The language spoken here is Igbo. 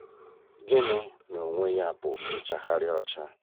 Gịnị n'onwe ya bụ nchaghari ọcha?